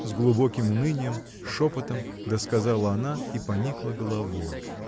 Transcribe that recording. — с глубоким унынием, шепотом досказала она и поникла головой.